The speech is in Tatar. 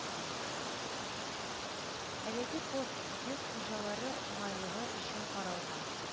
Әлеге пост йөк хуҗалары уңайлыгы өчен каралган